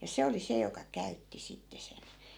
ja se oli se joka käytti sitten sen